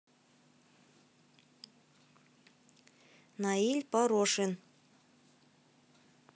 наиль порошин